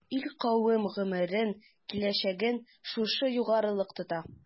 Ил-кавем гомерен, киләчәген шушы югарылык тота.